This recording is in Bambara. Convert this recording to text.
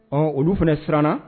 Ɔ olu fana siranna